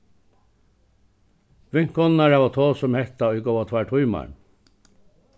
vinkonurnar hava tosað um hetta í góðar tveir tímar